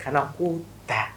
Kana kow ta